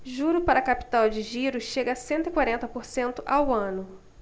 juro para capital de giro chega a cento e quarenta por cento ao ano